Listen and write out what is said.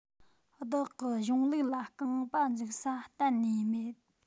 བདག གི གཞུང ལུགས ལ རྐང པ འཛུགས ས གཏན ནས མེད